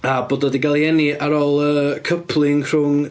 A bod o 'di gael ei eni ar ôl yy coupling rhwng...